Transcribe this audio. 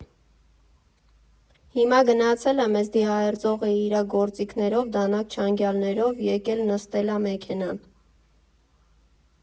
Հիմա գնացել եմ, էս դիահերձողը իրա գործիքներով՝ դանակ֊չանգալներով եկել նստել ա մեքենան։